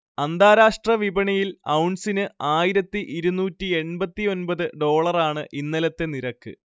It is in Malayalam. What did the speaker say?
അന്താരാഷ്ര്ട വിപണിയിൽ ഔൺസിന് ആയിരത്തിഇരുന്നൂറ്റിഎൺപത്തിഒൻപതിൽ ഡോളറാണ് ഇന്നലത്തെ നിരക്ക്